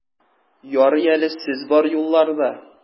Ярый әле сез бар юлларда!